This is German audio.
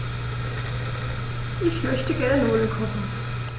Ich möchte gerne Nudeln kochen.